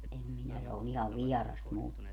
en minä se on ihan vieras minulle